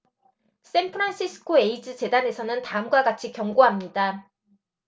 샌프란시스코 에이즈 재단에서는 다음과 같이 경고합니다